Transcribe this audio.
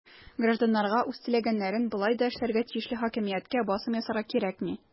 Гражданнарга үз теләгәннәрен болай да эшләргә тиешле хакимияткә басым ясарга кирәкми.